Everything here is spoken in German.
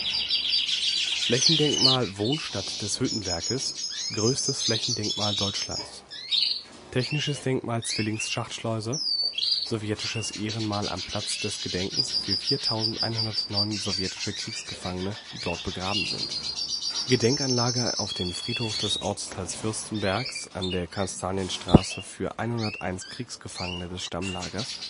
Flächendenkmal Wohnstadt des Hüttenwerks (Größtes Flächendenkmal Deutschlands) Technisches Denkmal Zwillingsschachtschleuse Sowjetisches Ehrenmal am Platz des Gedenkens für 4109 sowjetische Kriegsgefangene, die dort begraben sind Gedenkanlage auf dem Friedhof des Ortsteils Fürstenberg an der Kastanienstraße für 101 Kriegsgefangene des Stammlagers